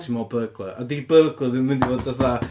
Ti'n meddwl burgler, a 'di burgler ddim yn mynd i fod fatha